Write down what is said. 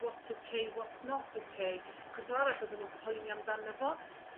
what's ok? what's not ok? achos fel arall o'dda n'w'n poeni amdano fo.